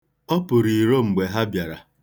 Ọ pụrụ iro mgbe ha bịara.